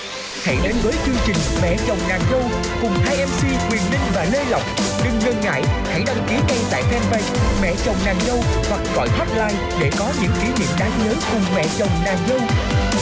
hãy đến với chương trình mẹ chồng nàng dâu cùng hai em xi quyền linh và lê lộc đừng ngần ngại hãy đăng kí ngay tại phen bây mẹ chồng nàng dâu hoặc gọi hót lai để có những kỷ niệm đáng nhớ cùng mẹ chồng nàng dâu